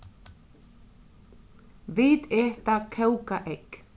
vit eta kókað egg